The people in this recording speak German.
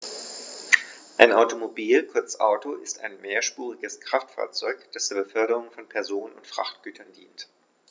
Ein Automobil, kurz Auto, ist ein mehrspuriges Kraftfahrzeug, das zur Beförderung von Personen und Frachtgütern dient.